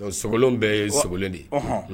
Sogolon bɛ ye sogo de ye